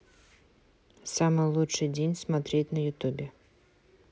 самый лучший день смотреть на ютубе